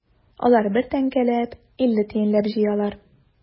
Алар бер тәңкәләп, илле тиенләп җыялар.